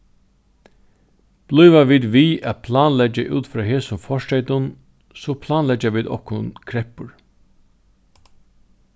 blíva vit við at planleggja út frá hesum fortreytum so planleggja vit okkum kreppur